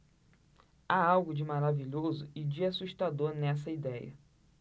há algo de maravilhoso e de assustador nessa idéia